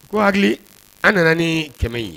Ko an nana ni kɛmɛ ye